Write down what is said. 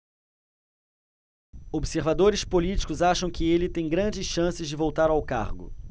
observadores políticos acham que ele tem grandes chances de voltar ao cargo